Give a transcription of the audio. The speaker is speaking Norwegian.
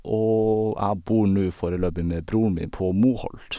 Og jeg bor nå foreløpig med broren min på Moholt.